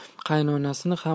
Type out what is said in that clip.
qaynonasini ham